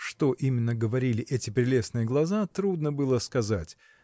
что именно говорили эти прелестные глаза -- трудно было сказать